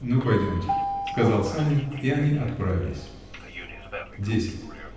-- Ну, пойдемте, -- сказал Санин, и они отправились. Десять.